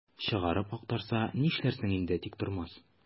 Чыгарып актарса, нишләрсең инде, Тиктормас?